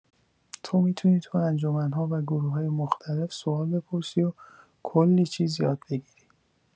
تو می‌تونی تو انجمن‌ها و گروه‌های مختلف سوال بپرسی و کلی چیز یاد بگیری.